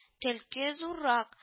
Төлке зуррак